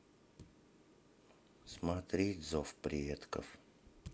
смотреть зов предков